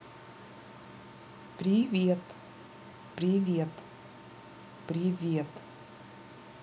привет привет привет